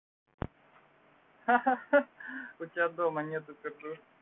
ха ха ха а у тебя дома нету пердушки